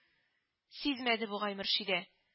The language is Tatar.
Сизмәде бугай Мөршидә